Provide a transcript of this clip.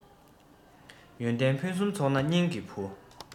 ཡོན ཏན ཕུན སུམ ཚོགས ན སྙིང གི བུ